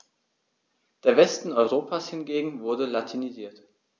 Der Westen Europas hingegen wurde latinisiert.